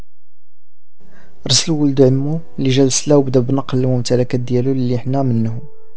ارسلوا الدينمو يجلس لوحده نقل من تلك الديار اللي احنا منه